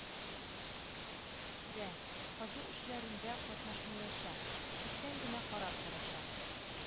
Дә, казу эшләрендә катнашмаячак, читтән генә карап торачак